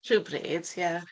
Rywbryd, ie.